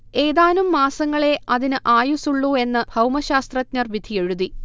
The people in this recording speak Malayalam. ഏതാനും മാസങ്ങളേ അതിന് ആയുസുള്ളൂ എന്ന് ഭൗമശാസ്ത്രജ്ഞർ വിധിയെഴുതി